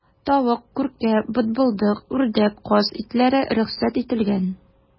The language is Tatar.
Тавык, күркә, бытбылдык, үрдәк, каз итләре рөхсәт ителгән.